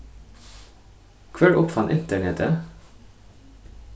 hvør uppfann internetið